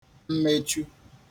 mmechu